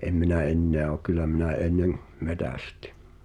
en minä enää ole kyllä minä ennen metsästin